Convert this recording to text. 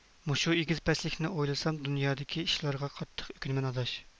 لۇشۈن جۇڭگو ئادەملىرىنىڭ شۈك قاراپ تۇرۇش روھىي ھالىتىگە نەشتەر ئۇرغان